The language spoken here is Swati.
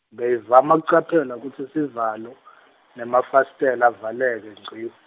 beyivama kucaphela kutsi sivalo , nemafasitelo avaleke ngci.